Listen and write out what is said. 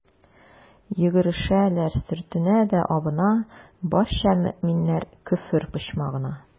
Йөгерешәләр, сөртенә дә абына, барча мөэминнәр «Көфер почмагы»на.